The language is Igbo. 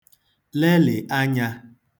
lelị̀ anya